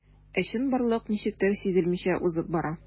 Ә чынбарлык ничектер сизелмичә узып бара.